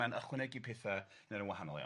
mae'n ychwanegu petha yn wahanol iawn.